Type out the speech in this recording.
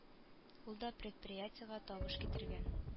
Ул да предприятиегә табыш китергән